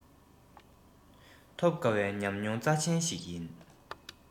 ཐོབ དཀའ བའི ཉམས མྱོང རྩ ཆེན ཞིག ཡིན